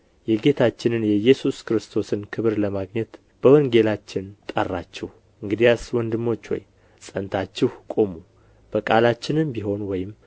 የጌታችንን የኢየሱስ ክርስቶስን ክብር ለማግኘት በወንጌላችን ጠራችሁ እንግዲያስ ወንድሞች ሆይ ጸንታችሁ ቁሙ በቃላችንም ቢሆን ወይም